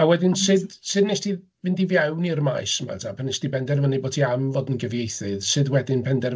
A wedyn sut sut wnes ti mynd i fewn i'r maes yma ta? Pan wnes ti benderfynu bod ti am fod yn gyfieithydd, sut wedyn penderf-...?